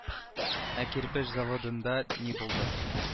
Ә кирпеч заводында ни булды